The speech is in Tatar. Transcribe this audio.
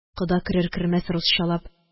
Кода, керер-кермәс, русчалап: